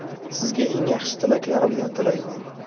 sizga eng yaxshi tilaklarimni tilayman